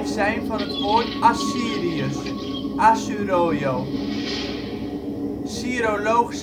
zijn van het woord " Assyriërs " (Asuroyo). Syroloog